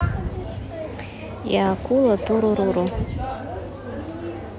я акула туруруру